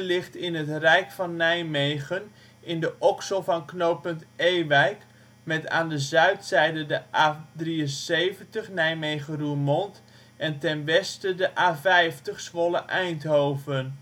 ligt in het Rijk van Nijmegen in de oksel van knooppunt Ewijk met aan de zuidzijde de A73 (Nijmegen-Roermond) en ten westen de A50 (Zwolle-Eindhoven).